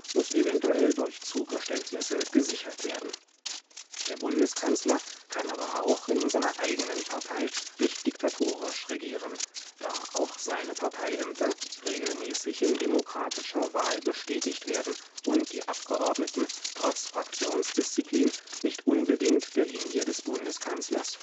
muss eventuell durch Zugeständnisse gesichert werden. Der Bundeskanzler kann aber auch in seiner eigenen Partei nicht diktatorisch regieren, da auch seine Parteiämter regelmäßig in demokratischer Wahl bestätigt werden und die Abgeordneten trotz Fraktionsdisziplin nicht unbedingt der Linie des Bundeskanzlers